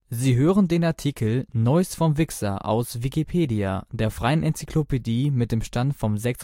Sie hören den Artikel Neues vom Wixxer, aus Wikipedia, der freien Enzyklopädie. Mit dem Stand vom Der